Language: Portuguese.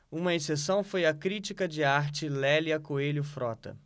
uma exceção foi a crítica de arte lélia coelho frota